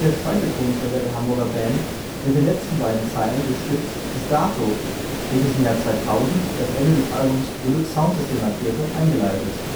zweite Tonträger der Hamburger Band mit den letzten beiden Zeilen des Stücks Bis dato, welches im Jahr 2000 das Ende des Albums Deluxe Soundsystem markierte, eingeleitet